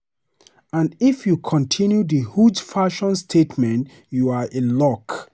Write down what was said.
And if you continue the huge fashion statement- you are in luck.